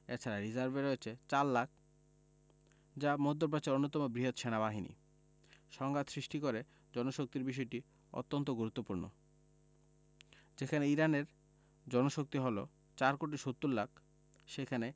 এ ছাড়া রিজার্ভে রয়েছে ৪ লাখ যা মধ্যপ্রাচ্যের অন্যতম বৃহৎ সেনাবাহিনী সংঘাত সৃষ্টি করে জনশক্তির বিষয়টি অন্তত গুরুত্বপূর্ণ যেখানে ইরানের জনশক্তি হলো ৪ কোটি ৭০ লাখ সেখানে